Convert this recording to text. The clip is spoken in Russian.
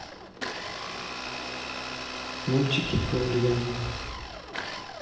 мультики про ульяну